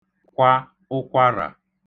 kwa ụkwarà